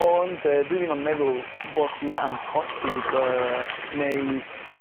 ond yy dwi ddim yn meddwl bod hi'n amhosib yy neu